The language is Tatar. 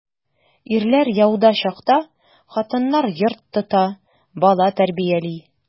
Ирләр яуда чакта хатыннар йорт тота, бала тәрбияли.